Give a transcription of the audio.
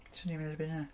'Swn ni'n erbyn hwnna.